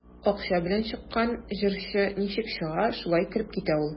Акча белән чыккан җырчы ничек чыга, шулай кереп китә ул.